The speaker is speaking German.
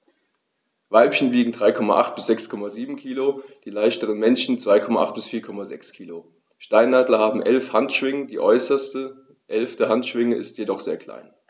Weibchen wiegen 3,8 bis 6,7 kg, die leichteren Männchen 2,8 bis 4,6 kg. Steinadler haben 11 Handschwingen, die äußerste (11.) Handschwinge ist jedoch sehr klein.